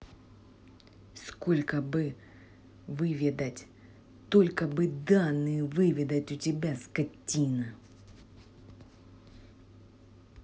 сколько бы выведать только вы данные выведать у тебя скотина